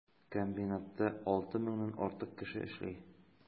Комбинатта 6 меңнән артык кеше эшли.